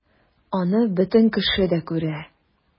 Аны бөтен кеше дә күрә...